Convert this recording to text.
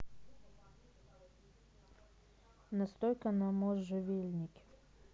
настойка на можжевельнике